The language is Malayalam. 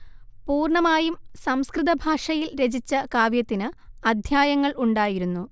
പൂർണ്ണമായും സംസ്കൃതഭാഷയിൽ രചിച്ച കാവ്യത്തിനു അദ്ധ്യായങ്ങൾ ഉണ്ടായിരുന്നു